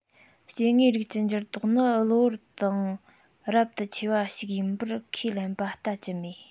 སྐྱེ དངོས རིགས ཀྱི འགྱུར ལྡོག ནི གློ བུར དང རབ ཏུ ཆེ བ ཞིག ཡིན པར ཁས ལེན པ ལྟ ཅི སྨོས